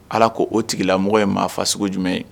Ala ko o tigila mɔgɔ ye maa faa sugu jumɛn ye